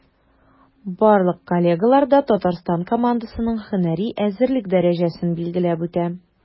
Барлык коллегалар да Татарстан командасының һөнәри әзерлек дәрәҗәсен билгеләп үтә.